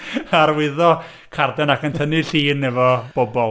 Arwyddo carden ac yn tynnu llun efo bobl.